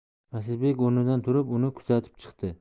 asadbek o'rnidan turib uni kuzatib chiqdi